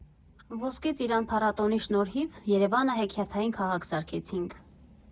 «Ոսկե Ծիրան» փառատոնի շնորհիվ Երևանը հեքիաթային քաղաք սարքեցինք։